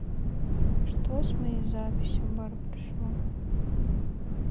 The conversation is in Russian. что с моей записью в барбершоп